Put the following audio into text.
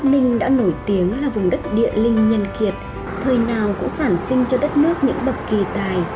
bắc ninh đã nổi tiếng là vùng đất địa linh nhân kiệt thời nào cũng sản sinh cho đất nước những bậc kỳ tài